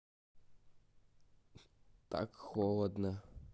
так холодно